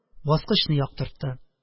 Баскычны яктыртты.